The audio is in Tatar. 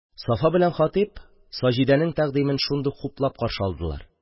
Сафа белән Хатип Саҗидәнең тәкъдимен шундук хуплап каршы алдылар.